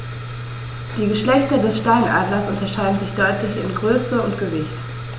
Die Geschlechter des Steinadlers unterscheiden sich deutlich in Größe und Gewicht.